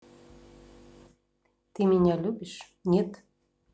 ты меня любишь нет